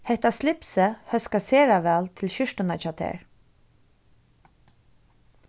hetta slipsið hóskar sera væl til skjúrtuna hjá tær